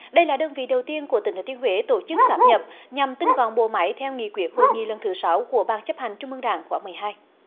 đây là đơn vị đầu tiên của tỉnh thừa thiên huế tổ chức sáp nhập nhằm tinh gọn bộ máy theo nghị quyết hội nghị lần thứ sáu của ban chấp hành trung ương đảng khóa mười hai